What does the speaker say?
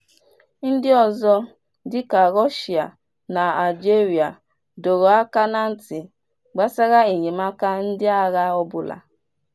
Ndị ọzọ, dị ka Rushia na Algeria, dọrọ aka na ntị gbasara enyemaka ndị agha ọbụla.